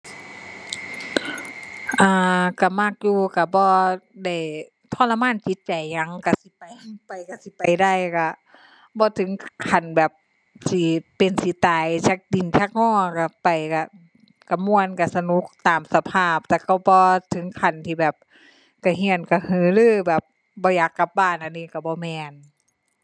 อ่า ก็มักอยู่ ก็บ่ได้ทรมานจิตใจหยัง ก็สิไป คันไปก็สิไปได้ ก็บ่ถึงขั้นแบบ สิเป็นสิตาย ชักดิ้นชักงอ ก็ไปก็ ก็ม่วนก็สนุกตามสภาพ แต่ก็บ่ถึงขั้นที่แบบ กระเหี้ยนกระหือรือแบบ บ่อยากกลับบ้าน อันนี้ก็บ่แม่น